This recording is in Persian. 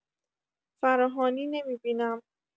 فراهانی نمی‌بینم